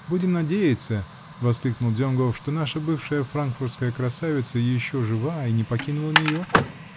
-- Будем надеяться, -- воскликнул Донгоф, -- что наша бывшая франкфуртская красавица еще жива и не покинула Нью-Йорка!